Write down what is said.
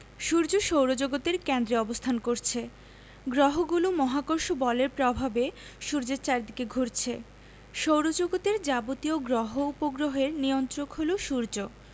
সূর্য সৌরজগতের কেন্দ্রে অবস্থান করছে গ্রহগুলো মহাকর্ষ বলের প্রভাবে সূর্যের চারদিকে ঘুরছে সৌরজগতের যাবতীয় গ্রহ উপগ্রহের নিয়ন্ত্রক হলো সূর্য